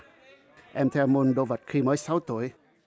em theo môn đô vật khi mới sáu tuổi